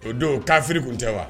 O don taafiri tun tɛ wa